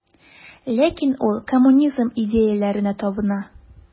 Ләкин ул коммунизм идеяләренә табына.